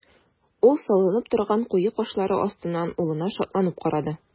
Ул салынып торган куе кашлары астыннан улына шатланып карады.